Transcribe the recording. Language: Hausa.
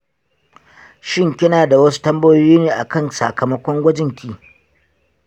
shin kinada wasu tambayoyi ne akan sakamakon gwajinki?